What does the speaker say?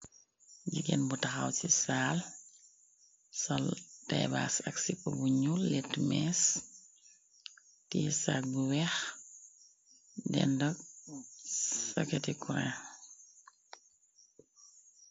Gigain bu taxaw chi saal, sol taibass ak sip bu njull, lehtu meeche, tiyeh sac bu weex, bu dendag socketi kurang.